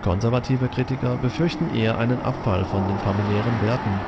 Konservative Kritiker befürchten eher einen Abfall von den familiären Werten,